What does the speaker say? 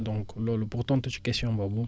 donc loolu pour tontu si question boobu